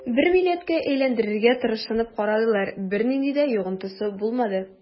Бер милләткә әйләндерергә тырышып карадылар, бернинди дә йогынтысы булмады.